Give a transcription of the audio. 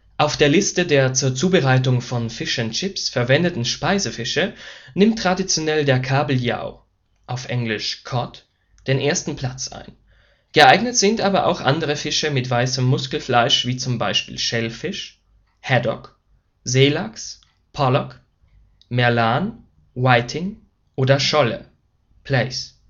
Auf der Liste der zur Zubereitung von Fish’ n’ Chips verwendeten Speisefische nimmt traditionell der Kabeljau (cod) den ersten Platz ein, geeignet sind aber auch andere Fische mit weißem Muskelfleisch, wie zum Beispiel Schellfisch (haddock), Seelachs (pollock), Merlan (whiting) oder Scholle (plaice